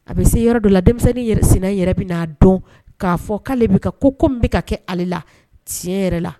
A bɛ se yɔrɔ dɔ la denmisɛnnin sina in yɛrɛ bɛn'a dɔn k'a fɔ k'ale bɛka, ko ko min bɛka kɛ ale la, tiɲɛ yɛrɛ la